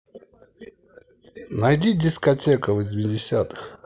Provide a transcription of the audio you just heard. найди дискотека восьмидесятых